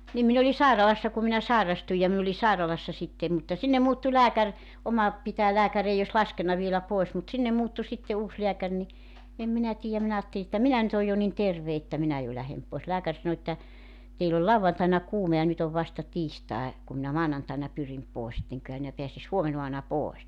niin minä olin sairaalassa kun minä sairastuin ja minä olin sairaalassa sitten mutta sinne muuttui lääkäri oma pitäjän lääkäri ei olisi laskenut vielä pois mutta sinne muuttui sitten uusi lääkäri niin en minä tiedä minä ajattelin että minä nyt olen jo niin terve että minä jo lähden pois lääkäri sanoi että teillä oli lauantaina kuume ja nyt on vasta tiistai kun minä maanantaina pyrin pois et enköhän minä pääsisi huomenaamuna pois